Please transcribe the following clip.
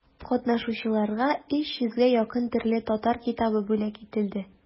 Катнашучыларга өч йөзгә якын төрле татар китабы бүләк ителде.